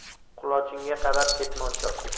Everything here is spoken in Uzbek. qulochingga qarab ketmon chop